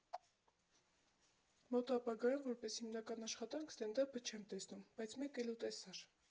Մոտ ապագայում, որպես հիմնական աշխատանք, ստենդափը չեմ տեսնում, բայց մեկ էլ ու տեսար։